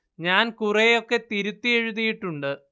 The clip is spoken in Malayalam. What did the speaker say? ഞാൻ കുറെ ഒക്കെ തിരുത്തി എഴുതിയിട്ടുണ്ട്